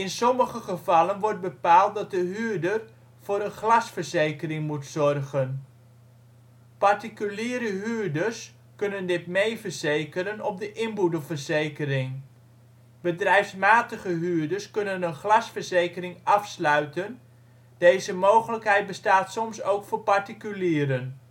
sommige gevallen wordt bepaald dat de huurder voor een glasverzekering moet zorgen. Particuliere huurders kunnen dit meeverzekeren op de inboedelverzekering. Bedrijfsmatige huurders kunnen een glasverzekering afsluiten (deze mogelijkheid bestaat soms ook voor particulieren